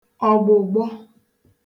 ọ̀gbụ̀gbọ